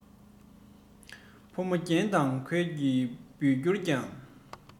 བུ མོ རྒྱན དང གོས ཀྱིས སྤུད གྱུར ཀྱང